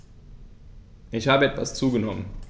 Ich habe etwas zugenommen